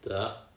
do